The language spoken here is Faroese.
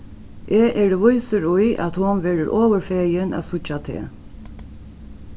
eg eri vísur í at hon verður ovurfegin at síggja teg